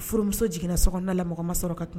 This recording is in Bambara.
Furumuso jiginna so na la mɔgɔ ma sɔrɔ ka